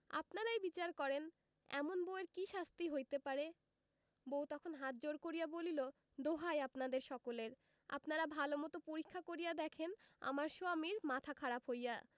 আপনারাই বিচার করেন এমন বউ এর কি শাস্তি হইতে পারে বউ তখন হাত জোড় করিয়া বলিল দোহাই আপনাদের সকলের আপনারা ভালোমতো পরীক্ষা করিয়া দেখেন আমার সোয়ামীর মাথা খারাপ হইয়া